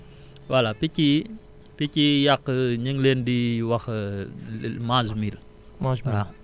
voilà picc yi picc yiy yàq ñu ngi leen di wax mange mil